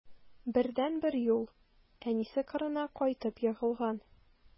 Бердәнбер юл: әнисе кырына кайтып егылган.